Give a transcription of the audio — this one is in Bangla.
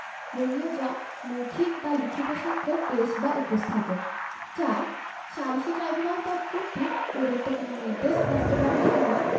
জ মৌখিক বা লিখিত সাক্ষ্য পেশ বা উপস্থাপন ৪ সালিসী ট্রইব্যুনাল তৎকর্তৃক প্রদত্ত কোন নির্দেশ বাস্তবায়নের সময়